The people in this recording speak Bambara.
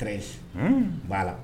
U b'a la